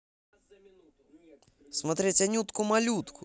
смотреть анютку малютку